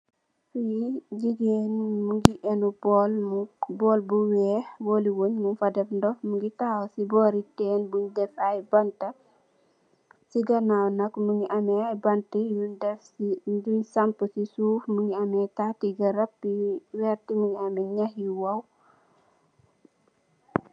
Si jigeen mogi enu bowl bowl bu weex bowli wun mung fa def ndox mogi taxaw si bori teen teen bung def ay banta si ganaw nak mogi ame banti yun def yun champa si suuf mogi ame tati garab yu wertah mogi ame nhaax yu woow.